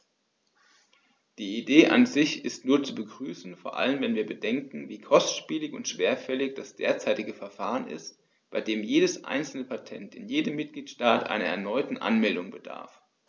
Die Idee an sich ist nur zu begrüßen, vor allem wenn wir bedenken, wie kostspielig und schwerfällig das derzeitige Verfahren ist, bei dem jedes einzelne Patent in jedem Mitgliedstaat einer erneuten Anmeldung bedarf.